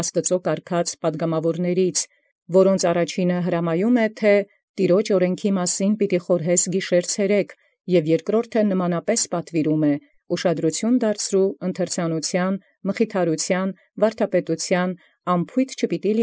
Յաստուածակարգ պատգամաւորացն, յորոց առաջինն հրամայէ, թէ՝ «Յաւրէնս Տեառն խորհեսցիս ի տուէ և ի գիշերիե. և երկրորդն հանգոյն նմին պատուիրէ, թէ՝ «Մի՛տ դիր ընթերցուածոց մխիթարութեան վարդապետութեան, մի՛ անփոյթ առնել։